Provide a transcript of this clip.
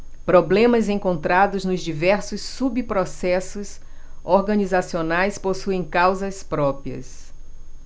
problemas encontrados nos diversos subprocessos organizacionais possuem causas próprias